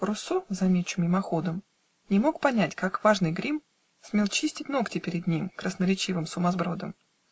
Руссо (замечу мимоходом) Не мог понять, как важный Грим Смел чистить ногти перед ним, Красноречивым сумасбродом .